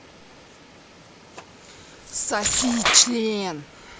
соси член